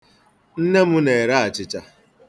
Nne m na-ere achịcha.